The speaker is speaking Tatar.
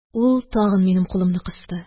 Ул тагы минем кулымны кысты.